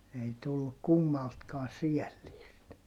ei tullut kummaltakaan säällistä